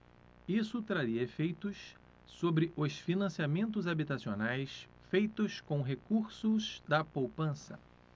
isso traria efeitos sobre os financiamentos habitacionais feitos com recursos da poupança